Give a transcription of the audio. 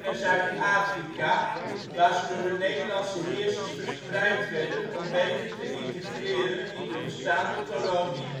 Zuid-Afrika, waar ze door de Nederlandse heersers verspreid werd om beter te integreren in de bestaande kolonie